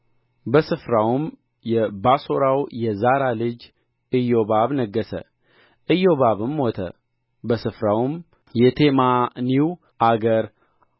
በስፍራውም የባሶራው የዛራ ልጅ ኢዮባብ ነገሠ ኢዮባብም ሞተ በስፍራውም የቴማኒው አገር